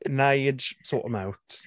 Nige, sort him out.